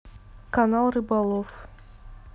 канал рыболов